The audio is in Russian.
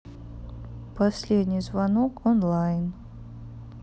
последний звонок онлайн